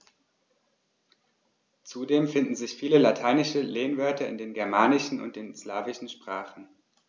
Zudem finden sich viele lateinische Lehnwörter in den germanischen und den slawischen Sprachen.